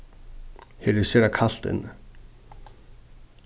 her er sera kalt inni